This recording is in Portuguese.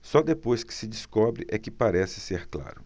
só depois que se descobre é que parece ser claro